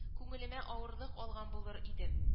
Күңелемә авырлык алган булыр идем